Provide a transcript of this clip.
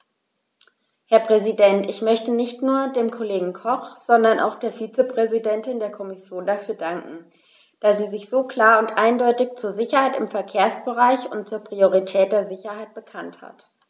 Herr Präsident, ich möchte nicht nur dem Kollegen Koch, sondern auch der Vizepräsidentin der Kommission dafür danken, dass sie sich so klar und eindeutig zur Sicherheit im Verkehrsbereich und zur Priorität der Sicherheit bekannt hat.